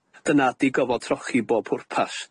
Dyna ydi gofod trochi i bob pwrpas.